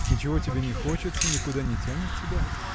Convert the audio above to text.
— Ничего тебе не хочется, никуда не тянет тебя?